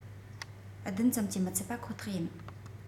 བདུན ཙམ གྱིས མི ཚད པ ཁོ ཐག ཡིན